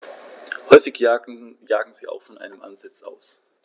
Häufig jagen sie auch von einem Ansitz aus.